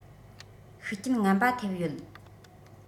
ཤུགས རྐྱེན ངན པ ཐེབས ཡོད